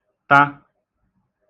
ta